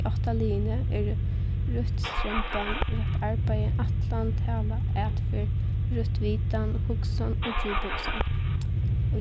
tey átta liðini eru røtt stremban rætt arbeiði ætlan tala atferð røtt vitan hugsan og djúphugsan